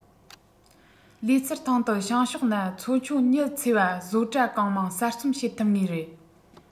ལུས རྩལ ཐང དུ བྱང ཕྱོགས ན ཚོང ཆུང ཉི ཚེ བ བཟོ གྲྭ གང མང གསར རྩོམ བྱེད ཐུབ ངེས རེད